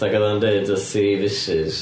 Ac odd o'n deud wrth ei Mrs.